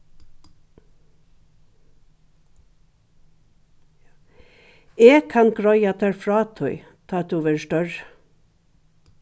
eg kann greiða tær frá tí tá tú verður størri